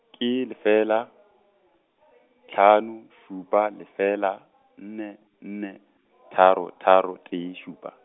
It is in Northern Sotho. ke lefela, hlano, šupa, lefela, nne, nne, tharo, tharo, tee, šupa.